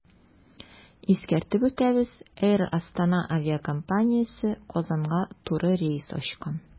Искәртеп үтәбез, “Эйр Астана” авиакомпаниясе Казанга туры рейс ачкан.